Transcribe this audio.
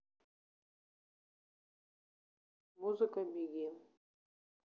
музыка беги